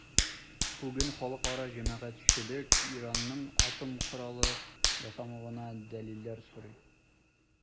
Бүген халыкара җәмәгатьчелек Иранның атом коралы ясамавына дәлилләр сорый.